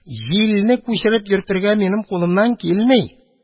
Җилне күчереп йөртергә минем кулымнан килми.